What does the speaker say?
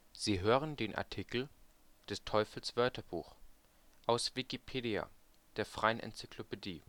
Sie hören den Artikel Des Teufels Wörterbuch, aus Wikipedia, der freien Enzyklopädie